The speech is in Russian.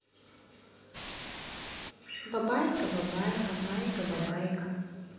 бабайка бабайка байка бабайка